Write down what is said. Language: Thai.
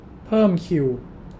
เพิ่มคิว